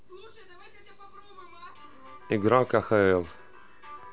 игра кхл